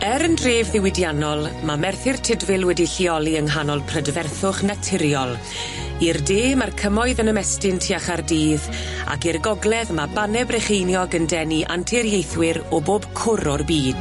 Er yn dref ddiwydiannol, ma' Merthyr Tydfil wedi'i lleoli yng nghanol prydferthwch naturiol i'r de ma'r cymoedd yn ymestyn tua Chardydd ac i'r gogledd ma' Banne Brecheiniog yn denu anturiaethwyr o bob cwr o'r byd.